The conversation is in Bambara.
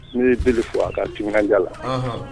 N'i ye deli fo a ka jja la